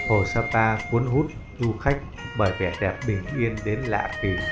hồ sa pa cuốn hút du khách bởi vẻ đẹp bình yên đến lạ kỳ